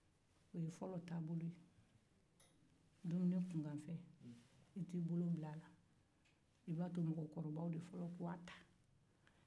i t'i bolo bila dumuni kunnafenw na i b' a to mɔgɔkɔrɔbaw de fɔlɔ k'a ta